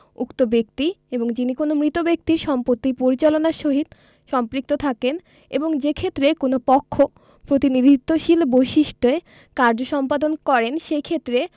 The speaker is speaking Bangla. উক্ত ব্যক্তি এবং যিনি কোন মৃত ব্যক্তির সম্পত্তি পরিচালনার সহিত সম্পৃক্ত থাকেন এবং যেক্ষেত্রে কোন পক্ষ প্রতিনিধিত্বশীল বৈশিষ্ট্যে কার্য সম্পাদন করেন সেই ক্ষেত্রে